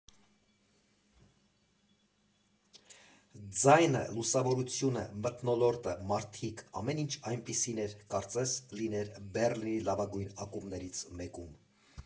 Ձայնը, լուսավորությունը, մթնոլորտը, մարդիկ՝ ամեն ինչ այնպիսին էր, կարծես լինեիր Բեռլինի լավագույն ակումբներից մեկում։